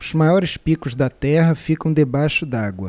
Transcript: os maiores picos da terra ficam debaixo dágua